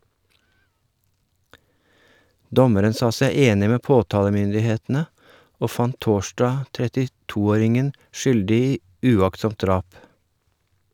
Dommeren sa seg enig med påtalemyndighetene, og fant torsdag 32-åringen skyldig i uaktsomt drap.